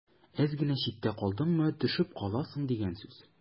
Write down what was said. Әз генә читтә калдыңмы – төшеп каласың дигән сүз.